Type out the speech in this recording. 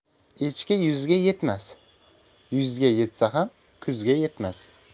echki yuzga yetmas yuzga yetsa ham kuzga yetmas